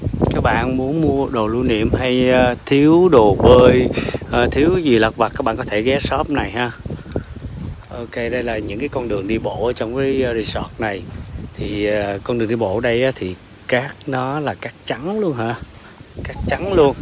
các bạn muốn mua đồ lưu niệm hay thiếu đồ bơi thiếu cái gì lặt vặt các bạn có thể ghé cái xóp này ha âu kê đây là những cái con đường đi bộ ở trong cái rì sọt này thì con đường đi bộ ở đây thì cát nó là cát trắng luôn hả cát trắng luôn